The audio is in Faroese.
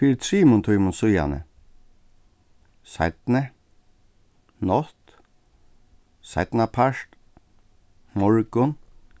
fyri trimum tímum síðani seinni nátt seinnapart morgun